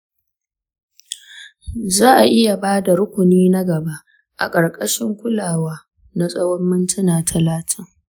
za a iya ba da rukuni na gaba a ƙarƙashin kulawa na tsawon mintuna talatin.